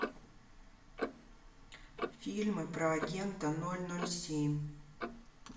фильмы про агента ноль ноль семь